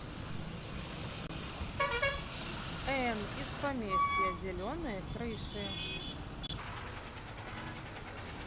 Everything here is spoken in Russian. энн из поместья зеленые крыши